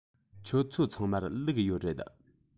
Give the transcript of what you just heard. ཁྱོད ཚོ ཚང མར ལུག ཡོད རེད